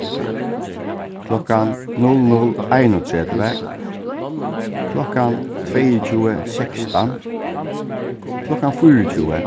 klokkan null null einogtretivu klokkan tveyogtjúgu sekstan klokkan fýraogtjúgu